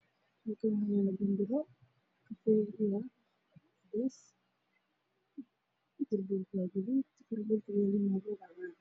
Halkaan waxaa yaalo ganbaro kafay iyo cadays darbiga waa gaduud.